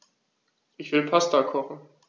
Ich will Pasta kochen.